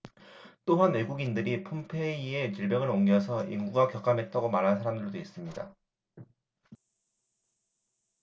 또한 외국인들이 폰페이에 질병을 옮겨서 인구가 격감했다고 말하는 사람들도 있습니다